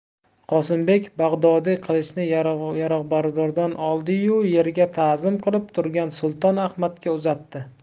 qosimbek bag'dodiy qilichni yarog'bardordan ol di yu yerga tazim qilib turgan sulton ahmadga uzatdi